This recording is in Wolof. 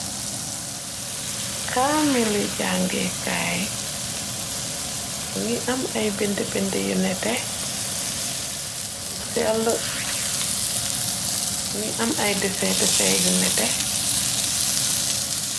Kaamili jangekaay bu ngi am ay dese desé yu neté.